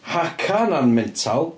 Haka yna'n mental.